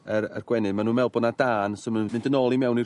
yr y gwenyn ma' n'w me'wl bo' 'na dân so ma' n'w mynd yn ôl i mewn i'r